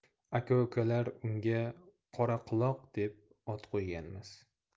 aka ukalar unga qoraquloq deb ot qo'yganmiz